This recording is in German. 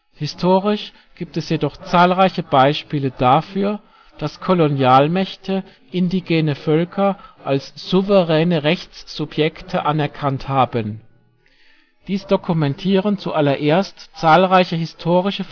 Historisch gibt es jedoch zahlreiche Beispiele dafür, dass Kolonialmächte indigene Völker als souveräne Rechtssubjekte anerkannt haben. Dies dokumentieren zuallererst zahlreiche historische